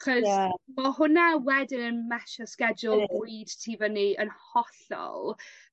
'chos... Ie. ...ma' hwnna wedyn ym messio schedule bwyd ti fyny yn hollol